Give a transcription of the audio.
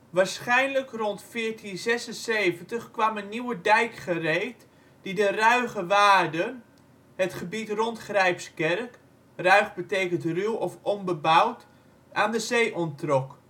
Waarschijnlijk rond 1476 kwam een nieuwe dijk gereed die de Ruige Waarden, het gebied rond Grijpskerk (ruig betekent ' ruw ' of ' onbebouwd '), aan de zee onttrok